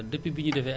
ñi toog at